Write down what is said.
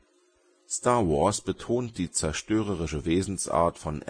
Star Wars betont die zerstörerische Wesensart von